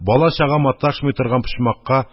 Бала-чага маташмый торган почмакка